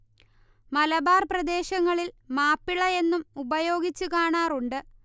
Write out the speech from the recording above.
മലബാർ പ്രദേശങ്ങളിൽ മാപ്പിള എന്നും ഉപയോഗിച്ചു കാണാറുണ്ട്